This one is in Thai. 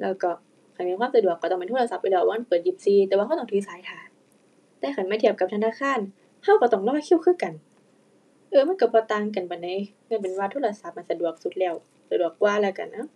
แล้วก็ถ้าเน้นความสะดวกก็ต้องเป็นโทรศัพท์อยู่แล้วเพราะว่ามันเปิดยี่สิบสี่ แต่ว่าก็ต้องถือสายท่า แต่คันแม่นเทียบกับธนาคารก็ก็ต้องรอคิวคือกัน เอ้อ มันก็บ่ต่างกันปานใด กลายเป็นว่าโทรศัพท์น่ะสะดวกสุดแล้ว สะดวกกว่าแล้วกัน เอ้า